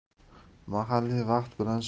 mahalliy vaqt bilan